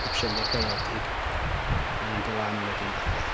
Capsiynau caeedig, mae'n dod lan wedyn fath o beth.